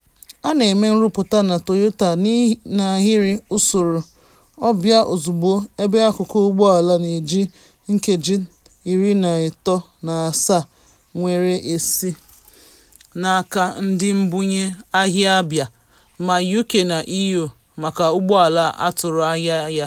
A na-eme nrụpụta na Toyota n’ahiri usoro “ọ bịa ozugbo”, ebe akụkụ ụgbọ ala na-eji nkeji 37 nwere esi n’aka ndị mbunye ahịa abịa, ma UK na EU maka ụgbọ ala atụrụ ahịa ya.